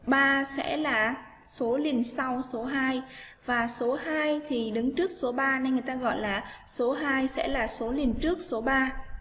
ba sẽ là số liền sau số và số thì đứng trước số người ta gọi là số sẽ là số liền trước số